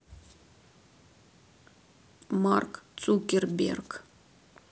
марк цукерберг